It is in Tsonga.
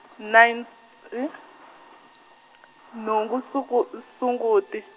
nine, nhungu Sunku- Sunguti.